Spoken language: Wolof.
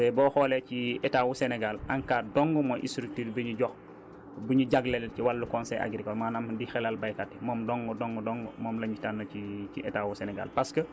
tay boo xoolee ci Etat wu Sénégal ANCAR dong mooy structure bi ñu jox bu ñu jagleel ci wàllu conseil agricole maanaam di xelal baykat moom dong dong dong moom lañ tànn ci ci Etat wu Sénégal